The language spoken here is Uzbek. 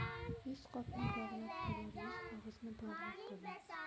yuz qopni bog'lab bo'lar yuz og'izni bog'lab bo'lmas